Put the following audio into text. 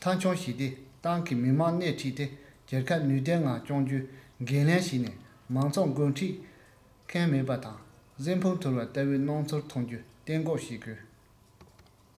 འཁྱོངས བྱས ཏེ ཏང གིས མི དམངས སྣེ ཁྲིད དེ རྒྱལ ཁབ ནུས ལྡན ངང སྐྱོང རྒྱུའི འགན ལེན བྱས ནས མང ཚོགས འགོ འཁྲིད མཁན མེད པ དང སྲན ཕུང ཐོར བ ལྟ བུའི སྣང ཚུལ ཐོན རྒྱུ གཏན འགོག བྱེད དགོས